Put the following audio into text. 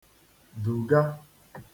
dùga